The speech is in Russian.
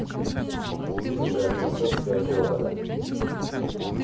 ты такая красовская города